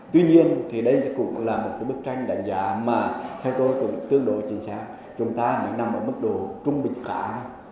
tuy nhiên thì đây cũng là một bức tranh đánh giá mà theo tôi cũng tương đối chính xác chúng ta nằm ở mức độ trung bình khá